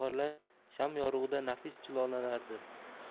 gavharlar sham yorug'ida nafis jilolanardi